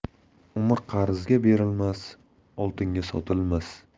umr qarzga berilmas oltinga sotilmas